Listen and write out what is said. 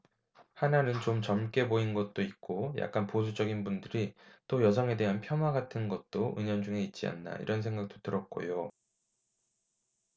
하나는 좀 젊게 보인 것도 있고 약간 보수적인 분들이 또 여성에 대한 폄하 같은 것도 은연중에 있지 않나 이런 생각도 들었고요